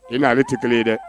I na ale tɛ kelen ye dɛ